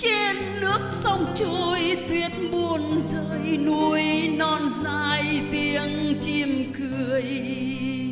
trên nước sông trôi tuyết buồn rơi núi non dài tiếng chim cười